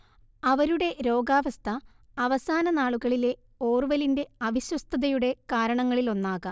അവരുടെ രോഗാവസ്ഥ അവസാന നാളുകളിലെ ഓർവെലിന്റെ അവിശ്വസ്തതയുടെ കാരണങ്ങളിലൊന്നാകാം